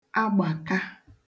agbàka